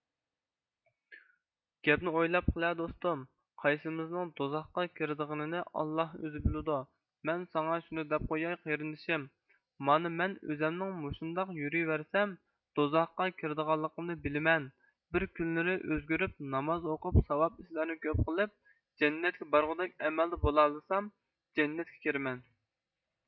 گەپنى ئويلاپ قىلە دوستۇم قايسىمىزنىڭ دوزاخقا كىردىغىنىنى ئاللا ئۆزى بىلدۇ مەن ساڭا شۇنى دەپ قوياي قېرىندىشىم مانا مەن ئۆزەمنىڭ مۇشۇنداق يۇرىۋەرسەم دوزاخقا كىردىغانلىقىمنى بىلىمەن بىر كۈنلىرى ئۆزگۈرۈپ ناماز ئوقۇپ ساۋاب ئىشلارنى كۆپ قىلىپ جەننەتكە بارغۇدەك ئەمەلدە بولالىسام جەننەتكە كىرىمەن